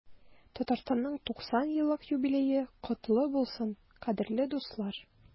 Татарстанның 90 еллык юбилее котлы булсын, кадерле дуслар!